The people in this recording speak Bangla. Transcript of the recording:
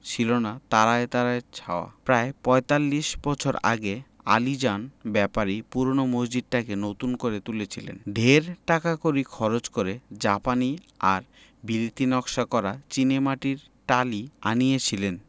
ছিলনা তারায় তারায় ছাওয়া প্রায় পঁয়তাল্লিশ বছর আগে আলীজান ব্যাপারী পূরোনো মসজিদটাকে নতুন করে তুলেছিলেন ঢের টাকাকড়ি খরচ করে জাপানি আর বিলতী নকশা করা চীনেমাটির টালি আনিয়েছিলেন